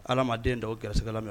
Ala ma den da gari